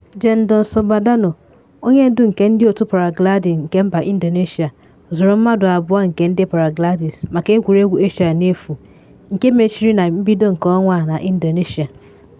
Gendon Subandono, onye ndu nke ndị otu paraglaịdịn nke mba Indonesia, zụrụ mmadụ abụọ nke ndị paraglaịdas maka Egwuregwu Asia na efu, nke mechiri na mbido nke ọnwa a na Indonesia.